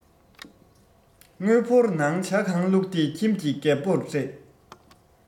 དངུལ ཕོར ནང ཇ གང བླུགས ཏེ ཁྱིམ ཀྱི རྒད པོར སྤྲད